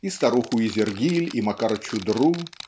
и Старуху Изергиль, и Макара Чудру